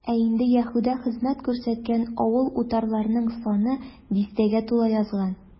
Ә инде Яһүдә хезмәт күрсәткән авыл-утарларның саны дистәгә тула яза.